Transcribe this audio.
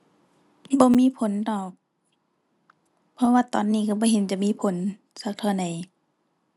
บ่มีผลดอก เพราะว่าตอนนี้ก็บ่เห็นจะมีผลสักเท่าใด